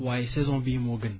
waaye saison bii moo gën